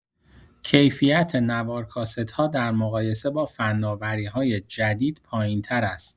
کیفیت نوار کاست‌ها در مقایسه با فناوری‌های جدید پایین‌تر است.